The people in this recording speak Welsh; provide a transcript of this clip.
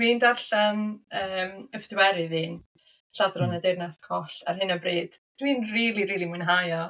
Dwi'n darllen yym y pedwerydd un, Lladron y Deyrnas Goll, ar hyn o bryd. Dwi'n rili, rili mwynhau o.